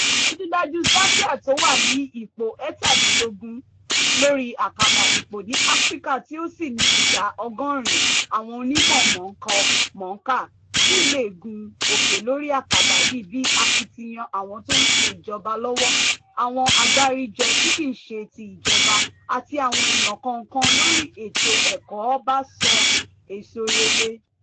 Dájúdájú, Zambia tó wà ní ipò 17 lórí akàbà ipò ní Áfíríkà tí ó sì ní ìdá 80 àwọn onímọ mọ̀ọ́kọ-mọ̀ọ́kà ṣì lè gún òkè lórí akàbà yìí bí akitiyan àwọn tó ń ṣe ìjọba lọ́wọ́, àwọ́n àgbáríjọ tí kìí ṣe tìjọba àti àwọn eèyàn kọọ̀kan lóri ètò ẹ̀kọ́ bá so èso rere.